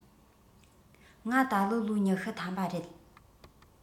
ང ད ལོ ལོ ཉི ཤུ ཐམ པ རེད